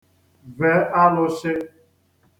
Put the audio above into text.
ve alụshị̄